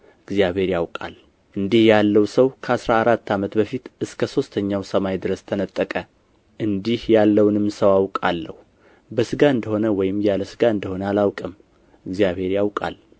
እግዚአብሔር ያውቃል እንዲህ ያለው ሰው ከአሥራ አራት ዓመት በፊት እስከ ሦስተኛው ሰማይ ድረስ ተነጠቀ እንዲህ ያለውንም ሰው አውቃለሁ በሥጋ እንደ ሆነ ወይም ያለ ሥጋ እንደ ሆነ አላውቅም እግዚአብሔር ያውቃል